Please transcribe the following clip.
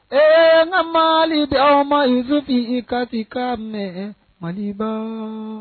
Ɛɛ mali di aw ma isu sigi i ka i ka mɛn mali ba